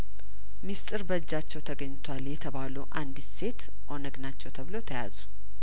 ሚስጥር በእጃቸው ተገኝቷል የተባሉ አንዲት ሴት ኦነግ ናቸው ተብለው ተያዙ